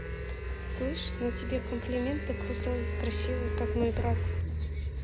слышь на тебе комплименты крутой красивый как мой брат